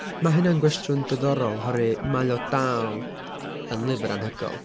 Ma' hynna'n gwestiwn diddorol oherwydd mae o dal yn lyfr anhygoel.